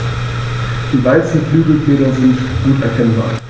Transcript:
Die weißen Flügelfelder sind gut erkennbar.